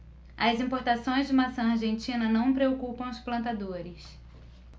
as importações de maçã argentina não preocupam os plantadores